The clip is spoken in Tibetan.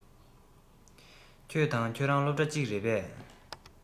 ཁོང དང ཁྱོད རང སློབ གྲྭ གཅིག རེད པས